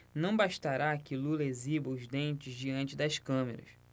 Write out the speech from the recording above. não bastará que lula exiba os dentes diante das câmeras